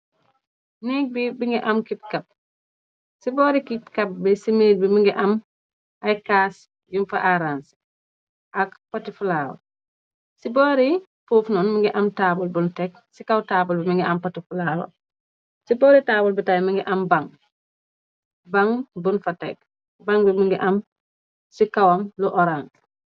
Neeg bi mungi am kipkap ci boori kipkap bi ci miir bi mu ngi am ay caas yun fa aranseh ak poti flower. Ci boori fuufunoon mu ngi am taabl bun tekk ci kaw. Taabl bi mungi am poti flower ci boori taabl bi tamit mungi am bang, bang bun fa tekk bang bi mu ngi am ci kawam lu orance.